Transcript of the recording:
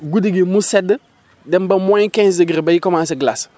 guddi gi mu sedd dem ba moins quinze degré bay commencé glace